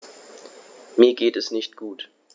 Mir geht es nicht gut.